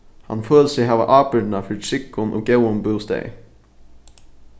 hann følir seg hava ábyrgdina fyri tryggum og góðum bústaði